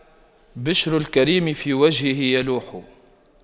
بِشْرُ الكريم في وجهه يلوح